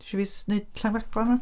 Tisho fi s- wneud Llanfaglan 'wan?